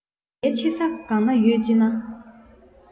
གལ ཆེ ས གང ན ཡོད ཅེ ན